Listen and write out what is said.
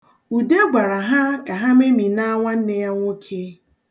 Ude gwara ha ka ha meminaa nwanne ya nwoke.